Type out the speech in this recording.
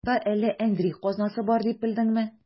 Монда әллә әндри казнасы бар дип белдеңме?